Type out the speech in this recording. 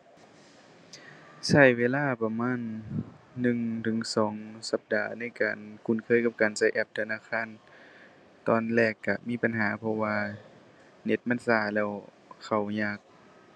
ใช้เวลาประมาณหนึ่งถึงสองสัปดาห์ในการคุ้นเคยกับใช้แอปธนาคาร ตอนแรกใช้มีปัญหา เพราะว่าเน็ตมันใช้แล้วเข้ายาก